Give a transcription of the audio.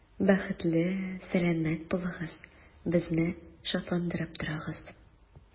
Бәхетле, сәламәт булыгыз, безне шатландырып торыгыз.